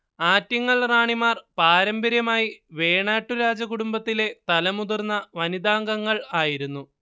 ആറ്റിങ്ങൽ റാണിമാർ പാരമ്പര്യമായി വേണാട്ടു രാജകുടുംബത്തിലെ തലമുതിർന്ന വനിതാംഗങ്ങൾ ആയിരുന്നു